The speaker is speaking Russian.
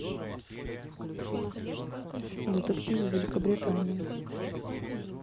детективы великобритания